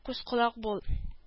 Күз-колак бул